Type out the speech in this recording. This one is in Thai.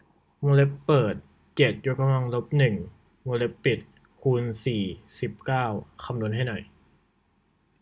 วงเล็บเปิดเจ็ดยกกำลังลบหนึ่งวงเล็บปิดคูณสี่สิบเก้าคำนวณให้หน่อย